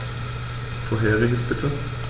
Vorheriges bitte.